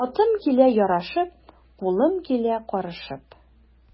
Атым килә ярашып, кулым килә карышып.